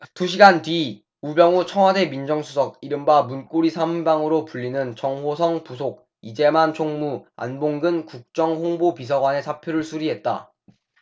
두 시간 뒤 우병우 청와대 민정수석 이른바 문고리 삼 인방으로 불리는 정호성 부속 이재만 총무 안봉근 국정홍보비서관의 사표를 수리했다